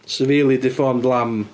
Sy'n rili deformed lamb.